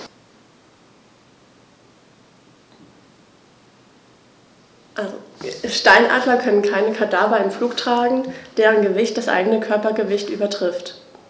Steinadler können keine Kadaver im Flug tragen, deren Gewicht das eigene Körpergewicht übertrifft.